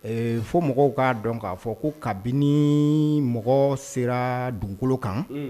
Ɛɛ fo mɔgɔw k'a dɔn k'a fɔ ko kabini mɔgɔ sera dugukolo kan, un